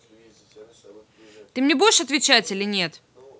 ты мне будешь отвечать или нет